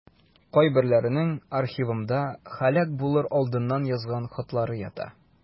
Кайберләренең архивымда һәлак булыр алдыннан язган хатлары ята.